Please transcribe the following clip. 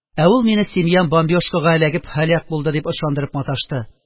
Ә ул мине, семьям бомбёжкага эләгеп һәлак булды, дип ышандырып маташты